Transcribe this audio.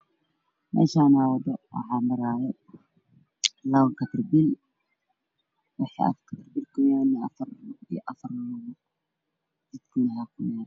Meshan waa wado waxmaray labo karbiil waxakuyal afar luuugod